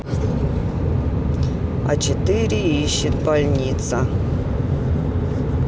а четыре ищет больница